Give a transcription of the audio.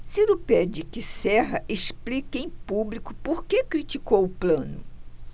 ciro pede que serra explique em público por que criticou plano